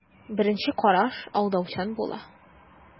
Беренче караш алдаучан була.